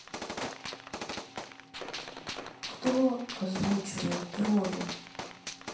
кто озвучивает роли